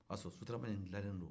o y'a sɔrɔ sotarama in dilalen don